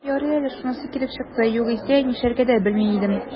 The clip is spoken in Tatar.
Ярый әле шунысы килеп чыкты, югыйсә, нишләргә дә белми идем...